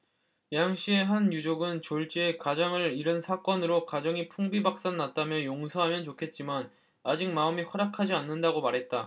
양 씨의 한 유족은 졸지에 가장을 잃은 사건으로 가정이 풍비박산 났다며 용서하면 좋겠지만 아직 마음이 허락하지 않는다고 말했다